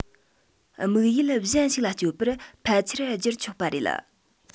དམིགས ཡུལ གཞན ཞིག ལ སྤྱོད པར ཕལ ཆེར བསྒྱུར ཆོག པ རེད